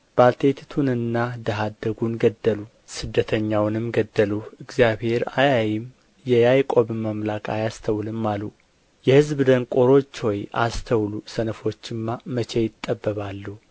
ባልቴቲቱንና ድሀ አደጉን ገደሉ ስደተኛውንም ገደሉ እግዚአብሔር አያይም የያዕቆብ አምላክ አያስተውልም አሉ የሕዝብ ደንቆሮች ሆይ አስተውሉ ሰነፎችማ መቼ ይጠበባሉ